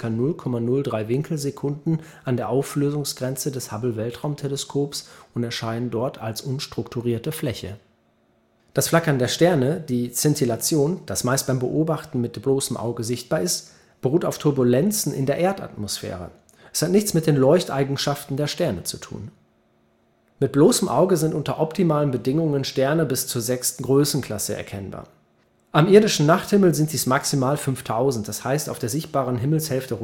0,03 " an der Auflösungsgrenze des Hubble-Weltraumteleskops und erscheinen dort als unstrukturierte Fläche. Das Flackern der Sterne, die Szintillation, das meist beim Beobachten mit bloßem Auge sichtbar ist, beruht auf Turbulenzen in der Erdatmosphäre. Es hat nichts mit den Leuchteigenschaften der Sterne zu tun. Mit bloßem Auge sind unter optimalen Bedingungen Sterne bis zur sechsten Größenklasse erkennbar. Am irdischen Nachthimmel sind dies maximal 5000, d. h., auf der sichtbaren Himmelshälfte